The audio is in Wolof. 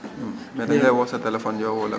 mais dañ lay woo sa téléphone yow wal